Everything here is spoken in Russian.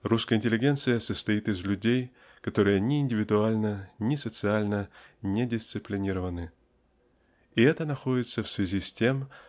Русская интеллигенция состоит из людей которые ни индивидуально ни социально не дисциплинированы. И это находится в связи с тем